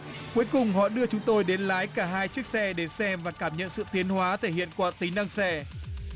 cuối cùng họ đưa chúng tôi đến lái cả hai chiếc xe để xem và cảm nhận sự tiến hóa thể hiện của tính năng xe